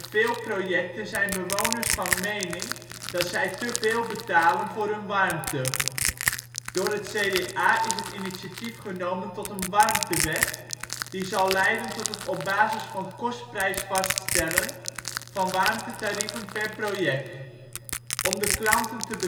veel projecten zijn bewoners van mening dat zij te veel betalen voor hun warmte. Door het CDA is het initiatief genomen tot een warmtewet, die zal leiden tot het op basis van kostprijs vaststellen van warmtetarieven per project. Om de klanten te